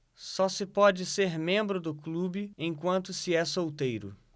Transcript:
só se pode ser membro do clube enquanto se é solteiro